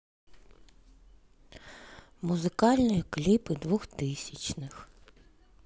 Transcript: музыкальные клипы двухтысячных